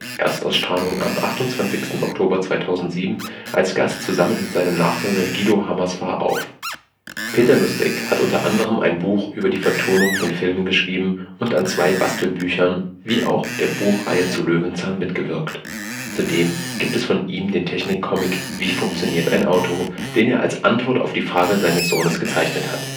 Erstausstrahlung am 28. Oktober 2007) als Gast zusammen mit seinem Nachfolger Guido Hammesfahr auf. Peter Lustig hat unter anderem ein Buch über die Vertonung von Filmen geschrieben und an zwei Bastelbüchern wie auch der Buchreihe zu Löwenzahn mitgewirkt. Zudem gibt es von ihm den Technik-Comic Wie funktioniert ein Auto?, den er als Antwort auf diese Frage seines Sohnes gezeichnet hat